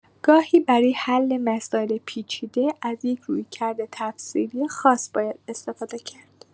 گاهی برای حل مسائل پیچیده از یک رویکرد تفسیری خاص باید استفاده کرد.